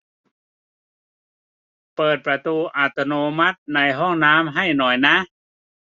เปิดประตูอัตโนมัติในห้องน้ำให้หน่อยนะ